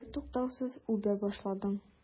Бертуктаусыз үбә башладың.